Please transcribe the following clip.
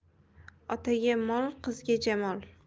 otaga mol qizga jamol